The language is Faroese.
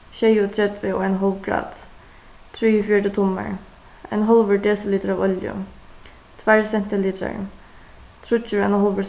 sjeyogtretivu og ein hálv grad trýogfjøruti tummar ein hálvur desilitur av olju tveir sentilitrar tríggir og ein hálvur